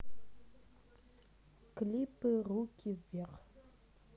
клипы руки вверх